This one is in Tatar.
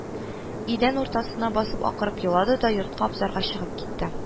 Идән уртасына басып акырып елады да, йортка-абзарга чыгып китте